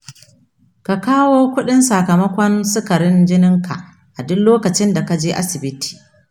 ka kawo kundin sakamakon sukarin jininka a duk lokacin da ka je asibiti.